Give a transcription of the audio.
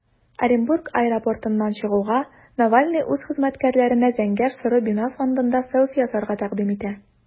Оренбург аэропортыннан чыгуга, Навальный үз хезмәткәрләренә зәңгәр-соры бина фонында селфи ясарга тәкъдим итә.